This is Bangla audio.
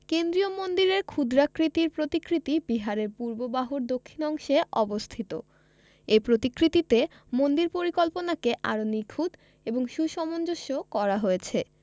কেন্দ্রীয় মন্দিরের ক্ষুদ্রাকৃতির প্রতিকৃতি বিহারের পূর্ব বাহুর দক্ষিণ অংশে অবস্থিত এ প্রতিকৃতিতে মন্দির পরিকল্পনাকে আরও নিখুঁত এবং সুসমঞ্জস করা হয়েছে